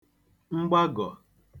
mgbagọ̀